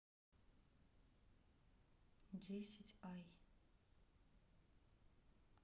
десять ай